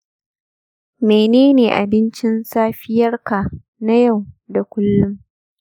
menene abincin safiyarka na yau da kullum?